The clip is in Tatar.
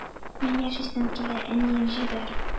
— мин яшисем килә, әнием, җибәр,